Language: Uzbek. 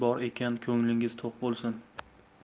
bor ekan ko'nglingiz to'q bo'lsin